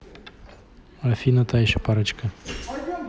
афина та еще парочка